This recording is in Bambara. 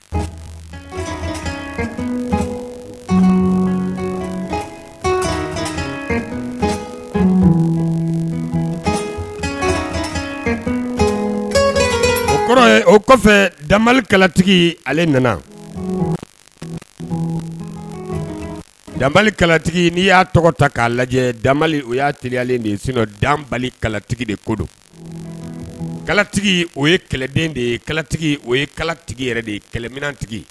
O kɔrɔ o kɔfɛ dakalatigi ale nana dabalikalatigi n'i y'a tɔgɔ ta k'a lajɛ o y teri de sen dabalikalatigi de ko don kalatigi o ye kɛlɛden de ye kalatigi o ye kalatigi yɛrɛ de ye kɛlɛmintigi ye